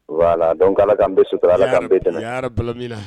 Voilà donc Ala K'an bɛ sutara yaarab Ala k'an bɛ dɛmɛ yaarabalamiina